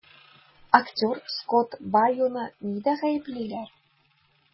Актер Скотт Байоны нидә гаеплиләр?